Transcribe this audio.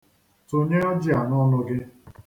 Tụnye ọjị a n'ọnụ gị?